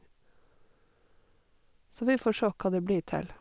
Så vi får sjå hva det blir til.